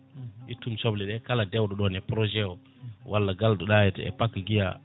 ƴettumi sobleɗe kala dewɗo ɗon e projet o walla *